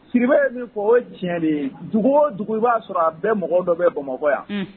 Si ye min fɔ o cɛn dugu o dugu i b'a sɔrɔ a bɛ mɔgɔ dɔ bɛ bamakɔ yan